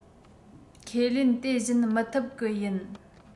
ཁས ལེན དེ བཞིན མི ཐུབ ཀི ཡིན